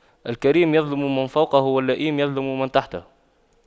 الكريم يظلم من فوقه واللئيم يظلم من تحته